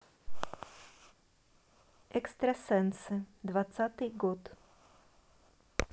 экстрасенсы двадцатый год